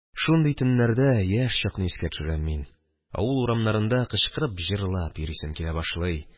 Шундый төннәрдә яшь чакны искә төшерәм мин , авыл урамнарында кычкырып җырлап йөрисем килә башлый